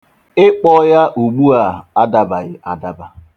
ịkpọ̄ ya ùgbuà adabaghì àdabà.